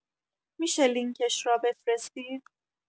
می‌شه لینکش را بفرستید